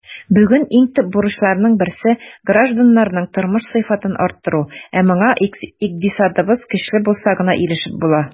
Бүген иң төп бурычларның берсе - гражданнарның тормыш сыйфатын арттыру, ә моңа икътисадыбыз көчле булса гына ирешеп була.